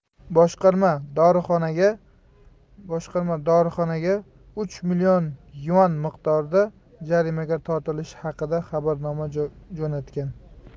boshqarma dorixonaga uch million yuan miqdorida jarimaga tortilishi haqida xabarnoma jo'natgan